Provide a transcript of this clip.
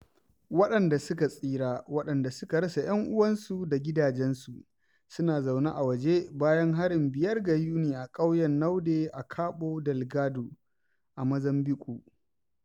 Waɗanda suka tsira waɗanda suka rasa 'yan'uwansu da gidajensu suna zaune a waje bayan harin 5 ga Yuni a ƙauyen Naunde a Cabo Delgado, a Mozambiƙue.